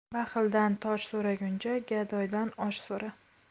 baxildan tosh so'raguncha gadoydan osh so'ra